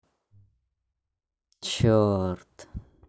черт